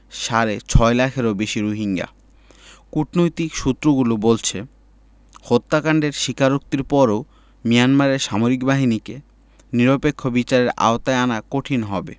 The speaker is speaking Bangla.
সাড়ে ছয় লাখেরও বেশি রোহিঙ্গা কূটনৈতিক সূত্রগুলো বলছে হত্যাকাণ্ডের স্বীকারোক্তির পরও মিয়ানমারের সামরিক বাহিনীকে নিরপেক্ষ বিচারের আওতায় আনা কঠিন হবে